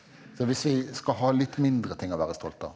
så hvis vi skal ha litt mindre ting å være stolt av.